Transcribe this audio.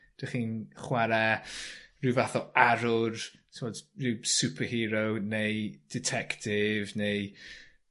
dych chi'n chware rhyw fath o arwr t'mod ryw superhero neu ditectif neu